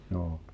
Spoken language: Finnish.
joo